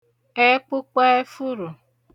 ẹkpukpa efuru